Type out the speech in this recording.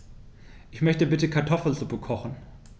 Ich möchte bitte Kartoffelsuppe kochen.